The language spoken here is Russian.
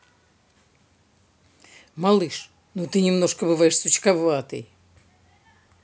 малыш ну ты немножко бываешь сучковатый